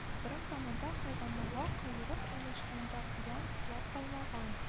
Борын заманда, хайваннарга койрык өләшкәндә, куян йоклап калмаган